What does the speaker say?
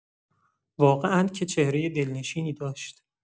واقعا که چهره دلنشینی داشت.